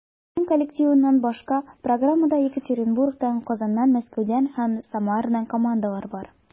Аның коллективыннан башка, программада Екатеринбургтан, Казаннан, Мәскәүдән һәм Самарадан командалар бар.